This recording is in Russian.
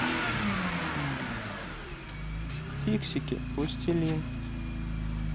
фиксики пластилин